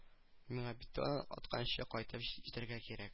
Миңа бит таң атканчы кайтып җитәргә кирәк